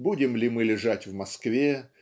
будем ли мы лежать в Москве